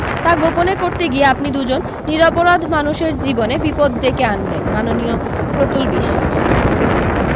তা গোপনে করতে গিয়ে আপনি দুজন নিরপরাধ মানুষের জীবনে বিপদ ডেকে আনলেন মাননীয় প্রতুল বিশ্বাস